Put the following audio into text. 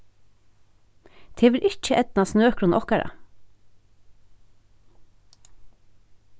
tað hevur ikki eydnast nøkrum okkara